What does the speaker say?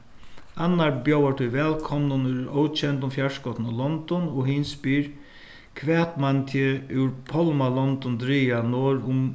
annar bjóðar tí vælkomnum úr ókendum fjarskotnum londum og hin spyr hvat man teg úr pálmalondum draga norð um